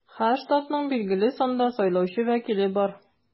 Һәр штатның билгеле санда сайлаучы вәкиле бар.